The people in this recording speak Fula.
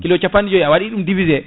kilo capanɗe joyyi a waɗi ɗum divisé